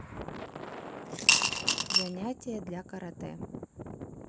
занятия для каратэ